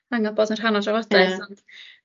angan bod yn rhan o'r drafodaeth ond